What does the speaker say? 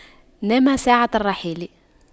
نام ساعة الرحيل